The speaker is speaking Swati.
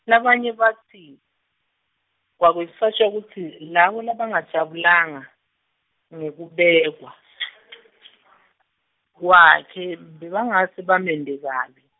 labanye batsi, kwakwesatjwa kutsi, labo labangajabulanga, ngekubekwa , kwakhe, bebangase bamente kabi.